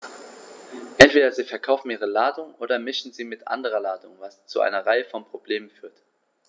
Entweder sie verkaufen ihre Ladung oder mischen sie mit anderer Ladung, was zu einer Reihe von Problemen führt.